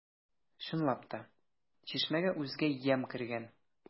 Чынлап та, чишмәгә үзгә ямь кергән.